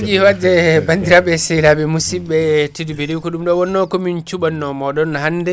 moƴƴi wadde bandiraɓe sehilaɓe musibɓe tedduɓe ko ɗumɗo wonno ko min cuɓanino moɗon hande